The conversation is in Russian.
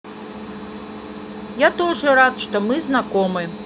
я тоже рад что мы знакомы